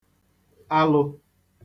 alụ̄